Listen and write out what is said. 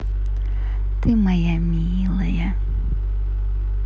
ты моя милая